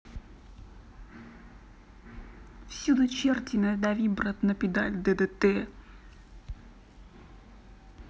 всюду черти надави брат на педаль ддт